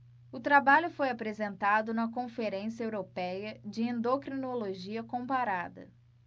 o trabalho foi apresentado na conferência européia de endocrinologia comparada